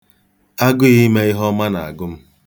Agụụ ime ihe ọma na-agụ m.